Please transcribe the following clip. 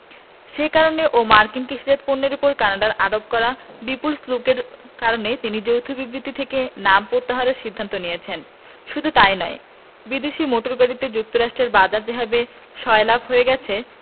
সে কারণে ও মার্কিন কৃষিজাত পণ্যের ওপর কানাডার আরোপ করা বিপুল শুল্কের কারণে তিনি যৌথ বিবৃতি থেকে নাম প্রত্যাহারের সিদ্ধান্ত নিয়েছেন শুধু তা ই নয় বিদেশি মোটর গাড়িতে যুক্তরাষ্ট্রের বাজার যেভাবে সয়লাব হয়ে গেছে